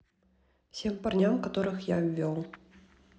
всем парням которых я ввел